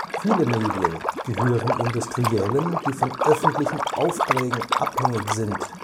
Viele Medien gehören Industriellen, die von öffentlichen Aufträgen abhängig sind